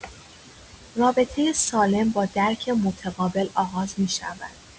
رابطه سالم با درک متقابل آغاز می‌شود.